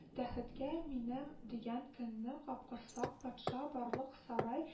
Тәхеткә минәм дигән көнне, капкорсак патша барлык сарай